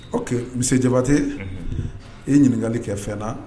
Ok monsieur Jabate , ka ye ɲininkali kɛ fɛn na